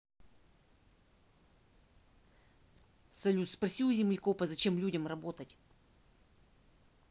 салют спроси у землекопа зачем людям работать